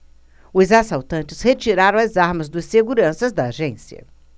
os assaltantes retiraram as armas dos seguranças da agência